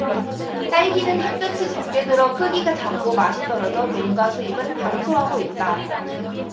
딸기는 햇볕이 적게 들어 크기가 작고 맛이 떨어져 농가 수입은 감소하고 있다